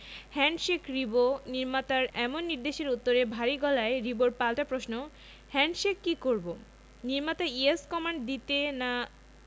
handshake Ribo নির্মাতার এমন নির্দেশের উত্তরে ভারী গলায় রিবোর পাল্টা প্রশ্ন হ্যান্ডশেক কি করবো নির্মাতা ইয়েস কমান্ড দিতে না